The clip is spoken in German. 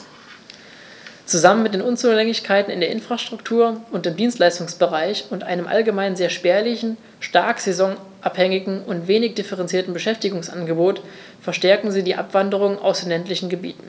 Zusammen mit den Unzulänglichkeiten in der Infrastruktur und im Dienstleistungsbereich und einem allgemein sehr spärlichen, stark saisonabhängigen und wenig diversifizierten Beschäftigungsangebot verstärken sie die Abwanderung aus den ländlichen Gebieten.